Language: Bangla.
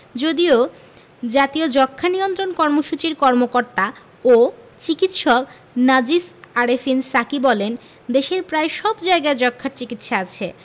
যদিও জাতীয় যক্ষ্মা নিয়ন্ত্রণ কর্মসূচির কর্মকর্তা ও চিকিৎসক নাজিস আরেফিন সাকী বলেন দেশের প্রায় সব জায়গায় যক্ষ্মার চিকিৎসা ব্যবস্থা আছে